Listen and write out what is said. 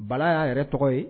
Bala y'a yɛrɛ tɔgɔ ye.